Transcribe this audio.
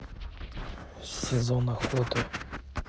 сезон охоты